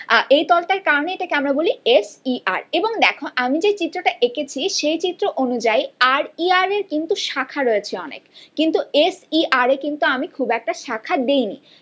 এই তল তার কারণে আমরা একে বলি এস ই আর এবং দেখো আমি যে চিত্রটা এঁকেছি সে চিত্র অনুযায়ী আর ই আর এর কিন্তু শাখা রয়েছে অনেক কিন্তু কিন্তু এস ই আরে কিন্তু আমি কিন্তু খুব একটা শাখা দেইনি